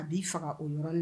A b'i faga o yɔrɔ l